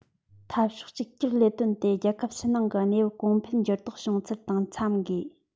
འཐབ ཕྱོགས གཅིག གྱུར ལས དོན དེ རྒྱལ ཁབ ཕྱི ནང གི གནས བབ གོང འཕེལ འགྱུར ལྡོག བྱུང ཚུལ དང འཚམ དགོས